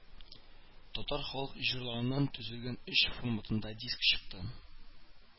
Татар халык җырларыннан төзелгән өч форматында диск чыкты